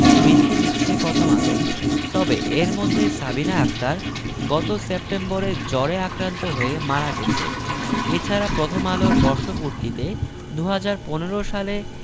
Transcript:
বৃত্তি দিচ্ছে প্রথম আলো তবে এর মধ্যে সাবিনা আক্তার গত সেপ্টেম্বরে জ্বরে আক্রান্ত হয়ে মারা গেছে এ ছাড়া প্রথম আলোর বর্ষপূর্তিতে ২০১৫ সালে